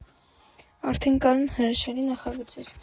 Արդեն կան հրաշալի նախագծեր։